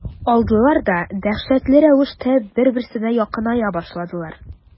Алдылар да дәһшәтле рәвештә бер-берсенә якыная башладылар.